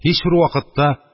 Һичбер вакытта